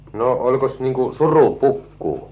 no olikos niin kuin surupukua